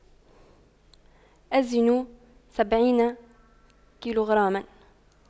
أزن سبعين كيلوغراما